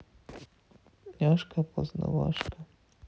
няшка познавашка